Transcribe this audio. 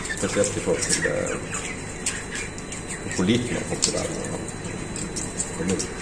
Spesielt i forhold til det på hvor liten han kom til å være når han han kom ut.